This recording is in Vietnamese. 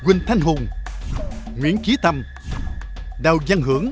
huỳnh thanh hùng nguyễn chí tâm đào văn hưởng